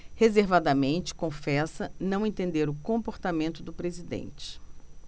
reservadamente confessa não entender o comportamento do presidente